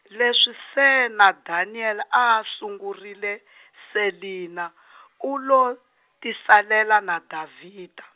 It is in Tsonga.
leswi se na Daniel a a sungurile Selinah , u lo, tisalela na Davhida.